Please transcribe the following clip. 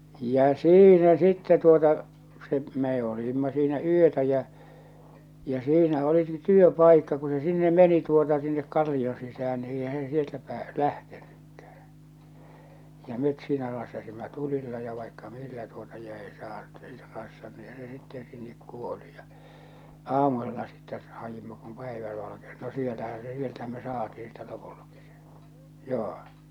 ja siinä sitten tuota se me olimme siinä yötä ja ja siinä olikin työpaikka kun se sinne meni tuota sinne kallioon sisään niin eihän se sieltä - lähtenytkään ja me siinä rassasimme tulilla ja vaikka millä tuota ja ei - ei se - niinhän se sitten sinne kuoli ja aamusella sitten haimme kun päivä valkeni no siellähän se sieltähän me saatiin sitten lopultakin se joo